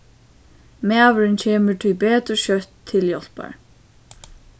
maðurin kemur tíbetur skjótt til hjálpar